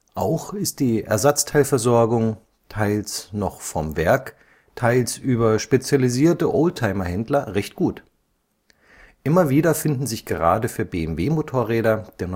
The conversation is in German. Auch ist die Ersatzteilversorgung, teils noch vom Werk, teils über spezialisierte Oldtimer-Händler recht gut. Immer wieder finden sich gerade für BMW-Motorräder der